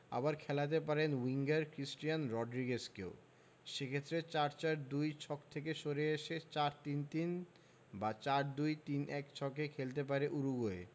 আবার খেলাতে পারেন উইঙ্গার ক্রিস্টিয়ান রড্রিগেজকেও সে ক্ষেত্রে ৪ ৪ ২ ছক থেকে সরে এসে ৪ ৩ ৩ বা ৪ ২ ৩ ১ ছকে খেলতে পারে উরুগুয়ে